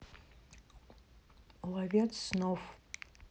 ловец снов